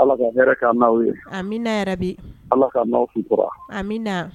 alah ka hɛrɛ kɛ an ni aw ye, a. amina, yaa rabbi allah ka an n'aw suura, amina.